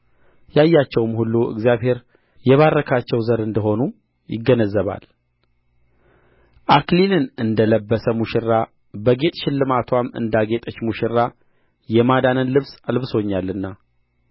ያያቸው ሁሉ እግዚአብሔር የባረካቸው ዘር እንደ ሆኑ ይገነዘባል አክሊልን እንደ ለበሰ ሙሽራ በጌጥ ሽልማትዋም እንዳጌጠች ሙሽራ የማዳንን ልብስ አልብሶኛልና